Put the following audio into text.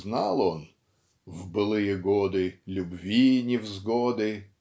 Знал он "в былые годы любви невзгоды"